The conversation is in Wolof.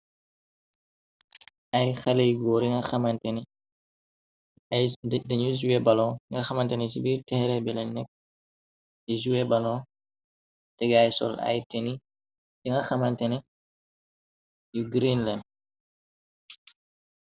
Ay xaley góor dhenu zuwe balon nga xamanteni ci biir te xere belen nekk di jouwebalon té gaay sol yi nga xamanteni yu greenland.